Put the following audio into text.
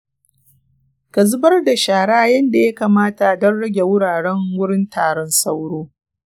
ka zubar da shara yadda ya kamata don rage wuraren wurin taron sauro.